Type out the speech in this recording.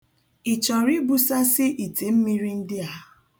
Ị chọrọ ibusasị ite mmiri ndịa?